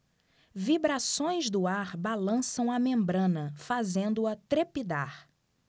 vibrações do ar balançam a membrana fazendo-a trepidar